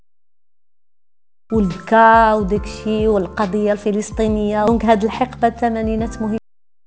تاكسي والقضيه الفلسطينيه في الثمانينات